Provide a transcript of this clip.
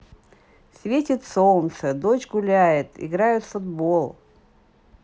светит солнце дочь гуляет играют в футбол